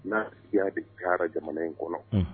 N'a diya bɛ taara jamana in kɔnɔ